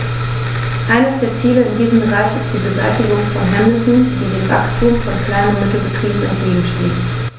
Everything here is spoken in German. Eines der Ziele in diesem Bereich ist die Beseitigung von Hemmnissen, die dem Wachstum von Klein- und Mittelbetrieben entgegenstehen.